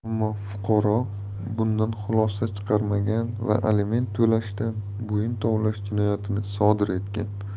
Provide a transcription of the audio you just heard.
ammo fuqaro bundan xulosa chiqarmagan va aliment to'lashdan bo'yin tovlash jinoyatini sodir etgan